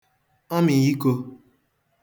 ọmịịko